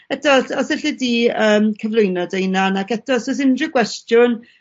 eto 's os elli di yym cyflwyno dy hunan ac eto os o's unryw gwestiwn